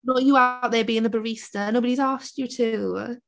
Not you out there being the barista, nobody's asked you to.